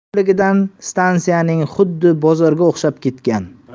ko'pligidan stansiyaning xuddi bozorga o'xshab ketgan